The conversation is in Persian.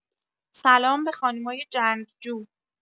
سلام به خانومای جنگ‌جو